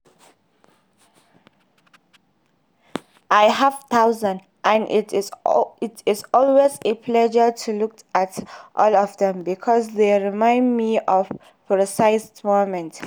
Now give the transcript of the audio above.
I have thousands and it is always a pleasure to look at all of them, because they remind me of precise moments.